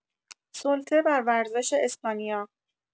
سلطه بر ورزش اسپانیا